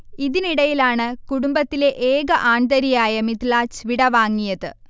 ഇതിനിടയിലാണ് കുടുംബത്തിലെ ഏക ആൺതരിയായ മിദ്ലാജ് വിടവാങ്ങിയത്